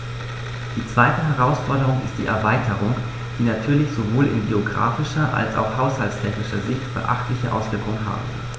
Die zweite Herausforderung ist die Erweiterung, die natürlich sowohl in geographischer als auch haushaltstechnischer Sicht beachtliche Auswirkungen haben wird.